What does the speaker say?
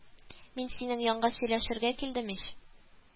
Мин синең янга сөйләшергә килдем ич